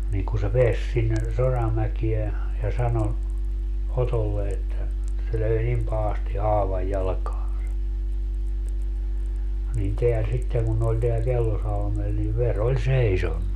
niin kun se pääsi sinne Soramäkeen ja sanoi Otolle että se löi niin pahasti haavan jalkaansa niin tämä sitten kun ne oli täällä Kellosalmella niin veri oli seisonut